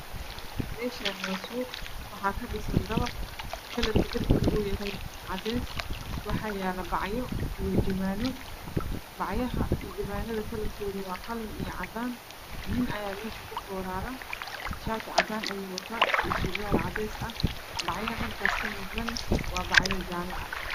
Meshan waa suuq waxaa ka dhisan dabaq kalarka derbigaa uu yahay cadees waxaa yala bacyo iyo jawano bacyahay iyo jawanada kalarkoodu waa qalin iyo cadan nin ayaa meesha ku forara shati cadan ayuu wataa iyo surwal cadees ah bacyaha halkaas ka muqdana waa bacyo jala ah